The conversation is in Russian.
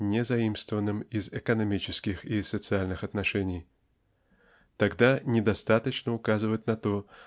не заимствованным из экономических и социальных отношений. Тогда недостаточно указывать на то